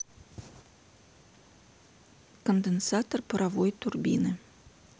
конденсатор паровой турбины